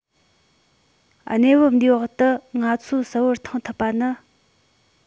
གནས བབ འདིའི འོག ཏུ ང ཚོས གསལ བོར མཐོང ཐུབ པ ནི